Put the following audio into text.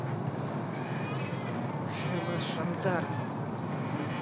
у фюнес жандармы